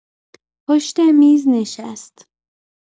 پشت میز نشست.